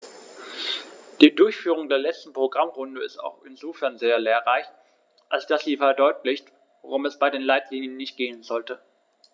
Die Durchführung der letzten Programmrunde ist auch insofern sehr lehrreich, als dass sie verdeutlicht, worum es bei den Leitlinien nicht gehen sollte.